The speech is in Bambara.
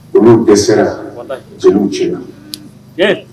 Olu dɛsɛ jeliw cɛɲɛna